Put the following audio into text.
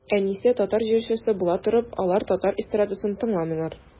Әнисе татар җырчысы була торып, алар татар эстрадасын тыңламыйлар.